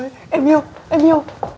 em yêu em yêu